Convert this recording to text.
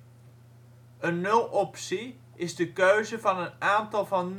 Een nuloptie is de keuze van een aantal van nul